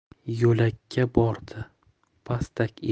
yo'lakka bordi pastak